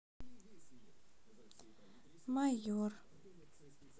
майор